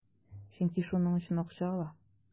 Чөнки шуның өчен акча ала.